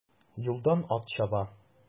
Юлдан ат чаба.